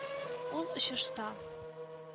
Ул очышта